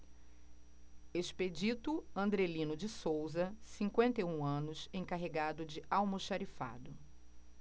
expedito andrelino de souza cinquenta e um anos encarregado de almoxarifado